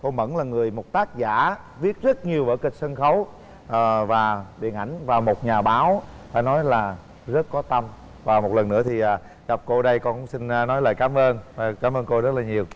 cô mẫn là người một tác giả viết rất nhiều vở kịch sân khấu ờ và điện ảnh và một nhà báo phải nói là rất có tâm và một lần nữa thì à gặp cô đây con cũng xin a nói lời cám ơn ờ cám ơn cô rất là nhiều